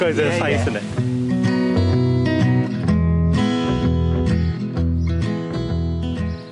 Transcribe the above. Roedd e'n ffaith ynde?